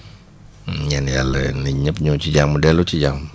ñaan yàlla nit ñëpp ñëw ci jàmm dellu ci jàmm